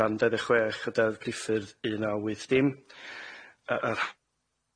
rhan dau ddeg chwech y Deddf Priffyrdd Un Naw Wyth Dim yy